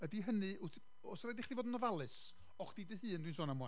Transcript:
Ydy hynny, wyt t-... oes rhaid i chi fod yn ofalus, o chdi dy hun dwi'n sôn am ŵan,